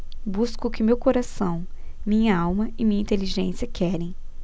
busco o que meu coração minha alma e minha inteligência querem